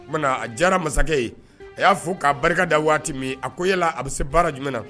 Oumana a jara masakɛ ye a y'a fɔ k'a barika da waati min a ko yalala a bɛ se baara jumɛn na